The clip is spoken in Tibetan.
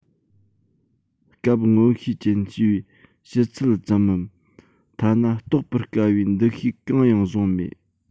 སྐབས སྔོན ཤེས ཅན ཞེས པའི ཕྱི ཚུལ ཙམ མམ ཐ ན རྟོགས པར དཀའ བའི འདུ ཤེས གང ཡང བཟུང མེད